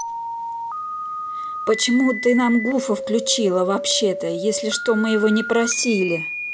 почему ты нам гуфа включила вообще то если что мы его не просили